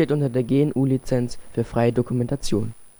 unter der GNU Lizenz für freie Dokumentation